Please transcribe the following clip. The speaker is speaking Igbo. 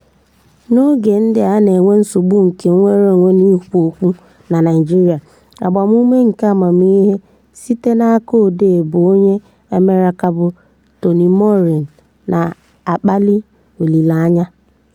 N'oge ndị a na-enwe nsogbu nke nnwere onwe n'ikwu okwu na Naịjirịa, agbamume keamamihe sitere n'aka odee bụ onye America bụ Toni Morrison na-akpali olileanya: